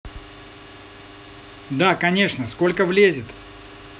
да конечно сколько влезет